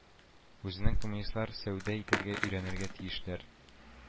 Үзенең Коммунистлар сәүдә итәргә өйрәнергә тиешләр